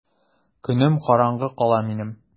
Көнем караңгы кала минем!